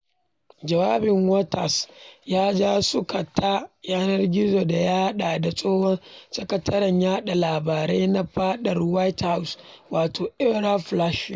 Jawabin Waters ya ja suka ta yanar gizo, da ya haɗa da tsohon sakataren yaɗa labarai na fadar White House wato Ari Fleischer.